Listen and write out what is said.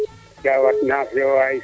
Diawar na fi'o waay